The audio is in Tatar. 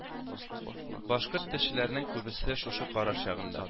Башкорт телчеләренең күбесе шушы караш ягында